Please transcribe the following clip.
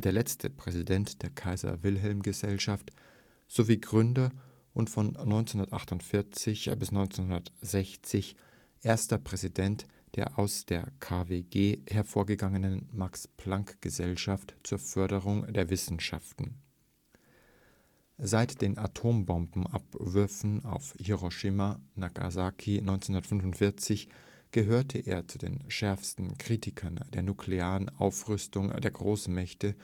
letzte Präsident der Kaiser-Wilhelm-Gesellschaft (KWG) sowie Gründer und von 1948 bis 1960 erster Präsident der aus der KWG hervorgegangenen Max-Planck-Gesellschaft zur Förderung der Wissenschaften. Seit den Atombombenabwürfen auf Hiroshima und Nagasaki 1945 gehörte er zu den schärfsten Kritikern der nuklearen Aufrüstung der Großmächte